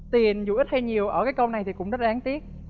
tiền dù ít hay nhiều ở cái câu này thì cũng rất là đáng tiếc